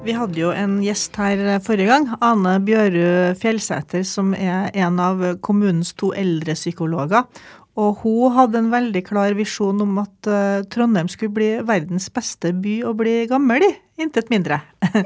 vi hadde jo en gjest her forrige gang Ane Bjøru Fjellseter som er en av kommunens to eldrepsykologer og hun hadde en veldig klar visjon om at Trondheim skulle bli verdens beste by å bli gammel i intet mindre .